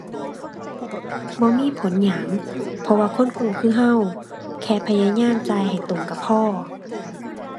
บ่มีผลหยัง เพราะว่าคนกู้คือเรา แค่พยายามจ่ายให้ตรงเราพอ